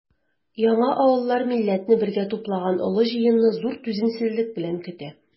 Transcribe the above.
Яңавыллар милләтне бергә туплаган олы җыенны зур түземсезлек белән көтә.